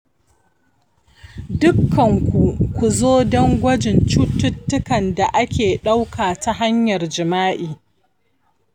dukanku ku zo don gwajin cututtukan da ake ɗauka ta hanyar jima'i